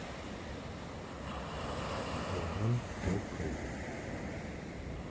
уан ту фри